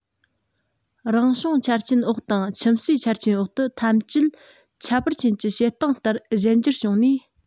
རང བྱུང ཆ རྐྱེན འོག དང ཁྱིམ གསོས ཆ རྐྱེན འོག ཏུ ཐམས ཅད ཁྱད པར ཅན གྱི བྱེད སྟངས ལྟར གཞན འགྱུར བྱུང ནས